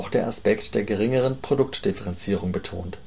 der Aspekt der geringeren Produktdifferenzierung betont